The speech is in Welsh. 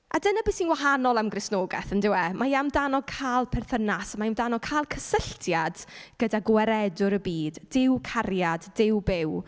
A dyna be sy'n wahanol am Gristnogaeth, yndyw e? Mae e amdano cael perthynas, mae e amdano cael cysylltiad gyda gwaredwr y byd, Duw cariad, Duw byw.